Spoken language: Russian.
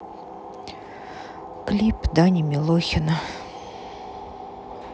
клип дани милохина